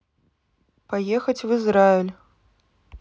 поехать в израиль